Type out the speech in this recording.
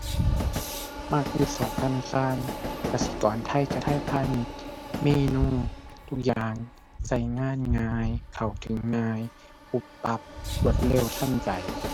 มักอยู่สองธนาคาร กสิกรไทยก็ไทยพาณิชย์ เมนูทุกอย่างก็งานง่าย เข้าถึงง่าย ปุ๊บปั๊บ รวดเร็วทันใจ